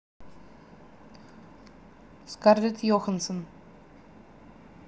scarlett johansson